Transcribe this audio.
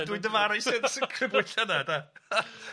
Dwi dyfaru sy'n crybwyll hynna de.